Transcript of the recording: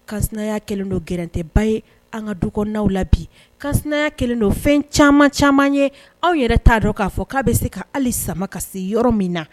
Kansinaya kɛlen don gɛrɛntɛ ba ye an ka du kɔnɔnaw la bi kansinaya kɛlen don fɛn caman caman ye anw yɛrɛ t'a dɔn k'a fɔ k'a bɛ se ka hali a bɛ se ka sama ka se yɔrɔ min na